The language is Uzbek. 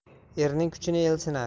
erning kuchini el sinar